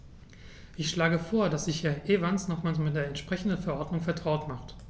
Ich schlage vor, dass sich Herr Evans nochmals mit der entsprechenden Verordnung vertraut macht.